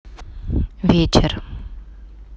вечер